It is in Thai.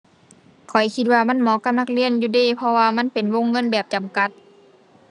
ข้อยคิดว่ามันเหมาะกับนักเรียนอยู่เดะ เพราะว่ามันเป็นวงเงินแบบจำกัด